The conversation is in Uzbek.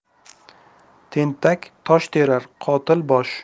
tentak tosh terar qotil bosh